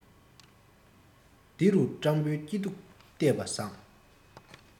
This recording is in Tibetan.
འདི རུ སྤྲང པོའི སྐྱིད སྡུག བལྟས པ བཟང